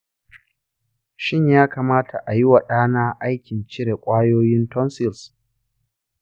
shin ya kamata a yi wa ɗana aikin cire ƙwayoyin tonsils ?